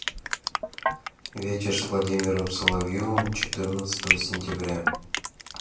вечер с владимиром соловьевым четырнадцатого сентября